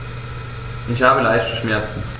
Ich habe leichte Schmerzen.